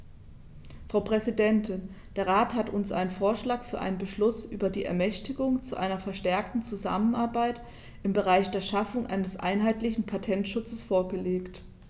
Frau Präsidentin, der Rat hat uns einen Vorschlag für einen Beschluss über die Ermächtigung zu einer verstärkten Zusammenarbeit im Bereich der Schaffung eines einheitlichen Patentschutzes vorgelegt.